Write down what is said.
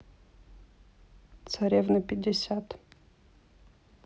царевны пятьдесят